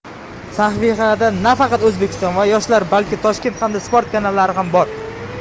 sahifada nafaqat o'zbekiston va yoshlar balki toshkent hamda sport kanallari ham bor